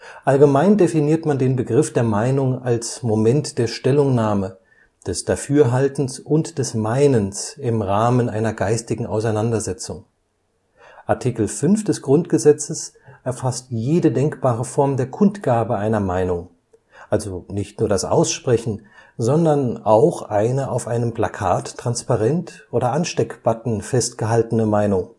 Allgemein definiert man den Begriff der Meinung als Moment der Stellungnahme, des Dafürhaltens und des Meinens im Rahmen einer geistigen Auseinandersetzung. Art. 5 GG erfasst jede denkbare Form der Kundgabe einer Meinung, also nicht nur das Aussprechen, sondern auch eine auf einem Plakat, Transparent oder Ansteck-Button festgehaltene Meinung